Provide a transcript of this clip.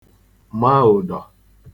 ma ụ̀dọ̀